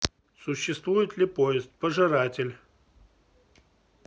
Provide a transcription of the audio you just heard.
существует ли поиск пожиратель